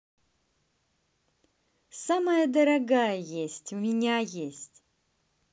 самая дорогая есть у меня есть